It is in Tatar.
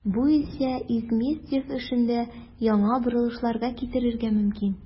Бу исә Изместьев эшендә яңа борылышларга китерергә мөмкин.